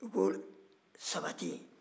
i ko sabati